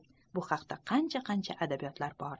bu haqda qancha qancha adabiyotlar bor